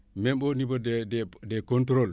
même au niveau des des des contôle